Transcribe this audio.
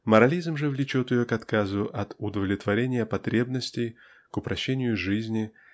морализм же влечет ее к отказу от удовлетворения потребностей к упрощению жизни